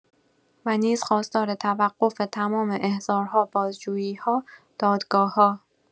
و نیز خواستار توقف تمام احضارها، بازجویی‌ها، دادگاه‌ها